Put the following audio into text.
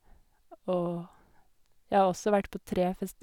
Og jeg har også vært på tre fest...